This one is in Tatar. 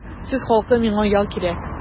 Сез хаклы, миңа ял кирәк.